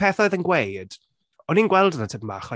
Pethau oedd e’n gweud, o’n i’n gweld hwnna tipyn bach like...